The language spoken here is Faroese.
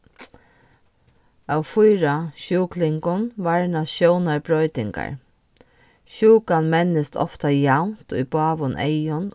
av fýra sjúklingum varnast sjónarbroytingar sjúkan mennist ofta javnt í báðum eygum